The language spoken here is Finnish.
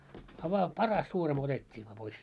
a vain paras suurimo otettiin vain pois